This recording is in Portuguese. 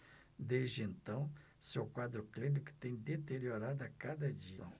desde então seu quadro clínico tem deteriorado a cada dia